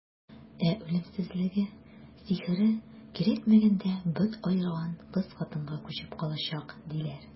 Ә үлемсезлеге, сихере кирәкмәгәндә бот аерган кыз-хатынга күчеп калачак, диләр.